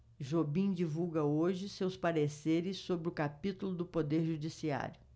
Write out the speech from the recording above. jobim divulga hoje seus pareceres sobre o capítulo do poder judiciário